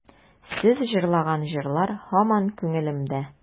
Сез җырлаган җырлар һаман күңелемдә.